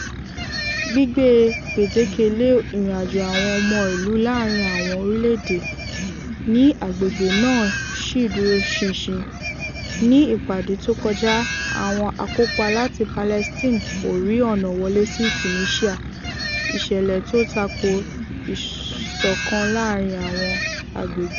Gbígbé gbèdéke lé ìrìnàjó àwọn ọmọ ilú láàárin àwọn orílè èdè ní agbègbè náà ṣì dúró ṣinṣin (ní ìpàdé tó kọjá, àwọn akópa láti Palestine ò rí ọ̀nà wọlé sí Tunisia) ìṣẹ̀lẹ̀ tó tako ìsọ̀kan láàárìn àwọn agbègbè.